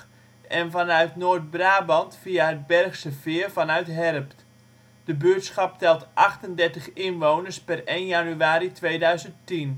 en vanuit Noord-Brabant via het Bergse veer vanuit Herpt. De buurtschap telt 38 inwoners (per 1 januari 2010